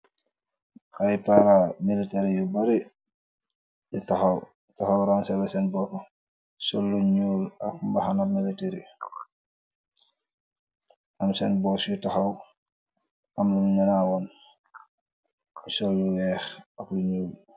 Ay paara militeer yu bare, ci taxaw, taxaw rancerbe seen bopp, sollu ñuul, ak mbaxanax militër , yu am seen bops yu taxaw amlam naraawoon sollu yeex, ak lu ñuul.